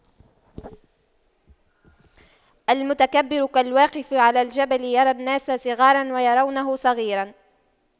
المتكبر كالواقف على الجبل يرى الناس صغاراً ويرونه صغيراً